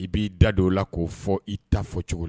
I b'i da don o la k'o fɔ i ta fɔ cogo la